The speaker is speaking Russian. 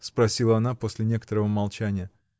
— спросила она после некоторого молчания.